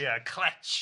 Ia, cletch.